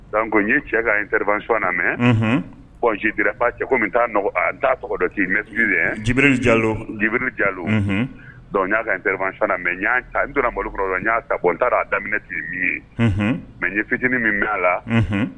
Dɔnku ko n ye cɛ ka n teri s na mɛra cɛ ko taa n t'a tɔgɔ dɔ teni mɛsiribri jalobri jalo'a n teri mɛ donna la ka n''a daminɛ min ye mɛ ye fitinin min bɛ a la